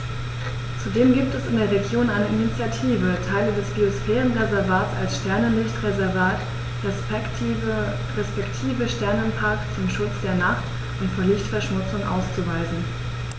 Zudem gibt es in der Region eine Initiative, Teile des Biosphärenreservats als Sternenlicht-Reservat respektive Sternenpark zum Schutz der Nacht und vor Lichtverschmutzung auszuweisen.